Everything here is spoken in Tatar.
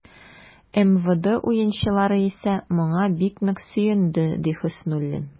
МВД уенчылары исә, моңа бик нык сөенде, ди Хөснуллин.